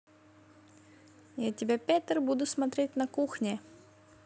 я тебя петер буду смотреть на кухне